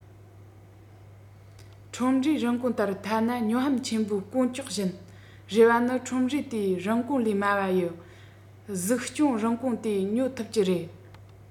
ཁྲོམ རའི རིན གོང ལྟར ཐ ན སྨྱོ ཧམ ཆེན པོས གོང བཅོག བཞིན རེ བ ནི ཁྲོམ རའི དེ རིན གོང ལས དམའ བ ཡི གཟིགས སྐྱོང རིན གོང དེ ཉོ ཐུབ ཀྱི རེད